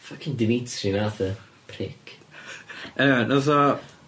Ffycin Dimitri nath e. Prick. Yy nath o